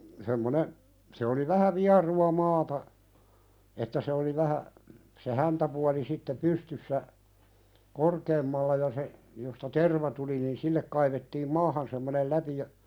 semmoinen se oli vähä vierua maata että se oli vähän se häntäpuoli sitten pystyssä korkeammalla ja se josta terva tuli niin sille kaivettiin maahan semmoinen läpi ja